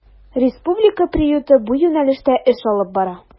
Республика приюты бу юнәлештә эш алып бара.